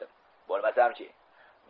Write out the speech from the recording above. bo'lmasam chi